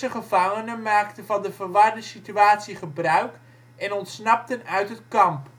gevangenen maakten van de verwarde situatie gebruik en ontsnapten uit het kamp